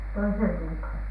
toisen viikon